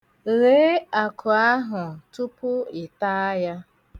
Ghee akụ ahụ tupu ị ta ya.